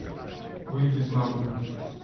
выйди из навыка